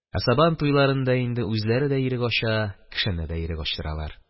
Ә Сабан туйларында инде үзләре дә ирек ача, кешене дә ирек ачтыралар.